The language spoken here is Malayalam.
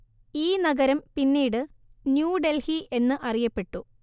ഈ നഗരം പിന്നീട് ന്യൂ ഡെല്‍ഹി എന്ന് അറിയപ്പെട്ടു